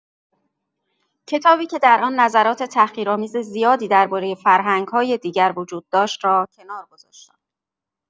کتابی که در آن نظرات تحقیرآمیز زیادی درباره فرهنگ‌های دیگر وجود داشت را کنار گذاشتم.